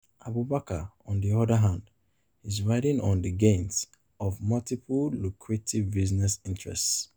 Abubakar, on the other hand, is riding on the "gains" of "multiple lucrative business interests".